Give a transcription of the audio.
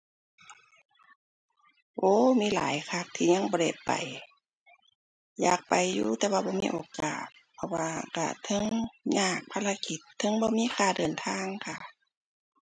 โอ้ มีหลายคักที่ยังบ่ได้ไป อยากไปอยู่ แต่ว่าบ่มีโอกาส เพราะว่าก็เทิงยากภารกิจ เทิงบ่มีค่าเดินทางค่ะ